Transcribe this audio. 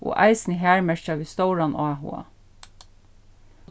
og eisini har merkja vit stóran áhuga